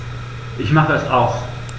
Ich mache es aus.